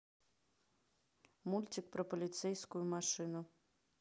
мультик про полицейскую машину